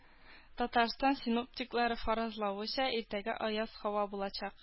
Татарстан синоптиклары фаразлавынча, иртәгә аяз һава булачак